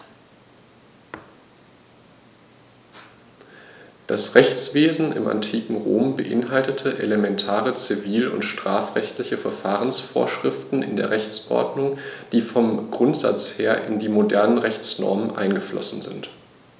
Das Rechtswesen im antiken Rom beinhaltete elementare zivil- und strafrechtliche Verfahrensvorschriften in der Rechtsordnung, die vom Grundsatz her in die modernen Rechtsnormen eingeflossen sind.